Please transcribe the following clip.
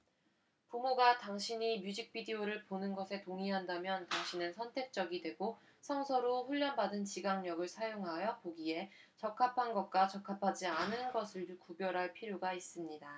부모가 당신이 뮤직 비디오를 보는 것에 동의한다면 당신은 선택적이 되고 성서로 훈련받은 지각력을 사용하여 보기에 적합한 것과 적합하지 않은 것을 구별할 필요가 있습니다